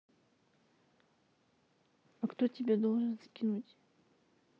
а кто тебя должен скинуть